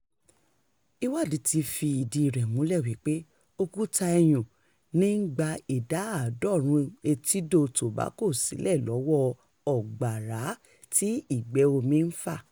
Ìwádìí ti fi ìdíi rẹ̀ múlẹ̀ wípé òkúta iyùn ní ń gba ìdá 90 etídò Tobago sílẹ̀-lọ́wọ́ ọ̀gbàrá tí ìgbé omi ń fà.